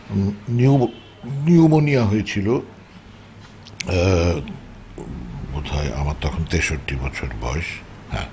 pneumonia হয়েছিল বোধহয় আমার তখন ৬৩ বছর বয়স হ্যাঁ